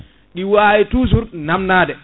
ɗi wawi toujours namdade